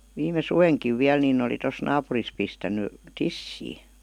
viime suvenakin vielä niin oli tuossa naapurissa pistänyt tissiin